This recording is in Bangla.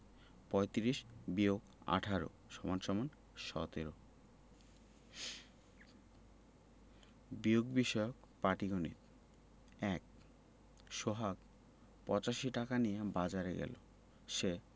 ৩৫ – ১৮ = ১৭ বিয়োগ বিষয়ক পাটিগনিতঃ ১ সোহাগ ৮৫ টাকা নিয়ে বাজারে গেল সে